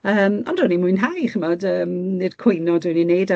Yym ond ro'n i'n mwynhau ch'mod yym nid cwyno dwi'n ei neud